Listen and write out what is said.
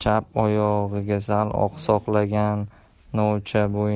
chap oyog'iga sal oqsoqlagan novcha